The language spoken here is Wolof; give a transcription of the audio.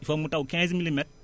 il faut mu taw quinze milimètres